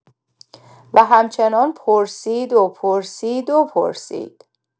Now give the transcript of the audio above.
و همچنان پرسید و پرسید و پرسید.